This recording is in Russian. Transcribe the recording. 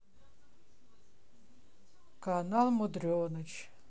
канал мудреныч